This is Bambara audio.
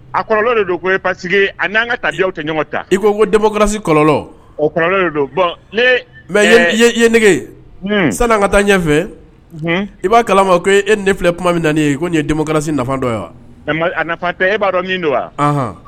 A kɔrɔlɔ de don ko pa n'an ka taa da tɛ ɲɔgɔn ta i ko ko densi kɔlɔ o don bɔn mɛ ye nege sani ka taa ɲɛfɛ i b'a kalama e ne filɛ kuma min na i ye ko nin ye densi nafatɔ wa nafa tɛ e b'a dɔn min don wa